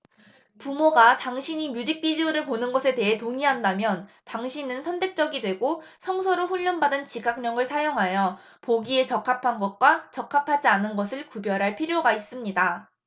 부모가 당신이 뮤직 비디오를 보는 것에 동의한다면 당신은 선택적이 되고 성서로 훈련받은 지각력을 사용하여 보기에 적합한 것과 적합하지 않은 것을 구별할 필요가 있습니다